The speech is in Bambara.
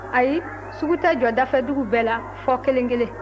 ayi sugu tɛ jɔ dafɛdugu bɛɛ la fo kelen kelen